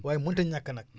waaye mënut a ñàkk nag